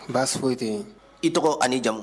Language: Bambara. Baasi tɛ i tɔgɔ ani jamumu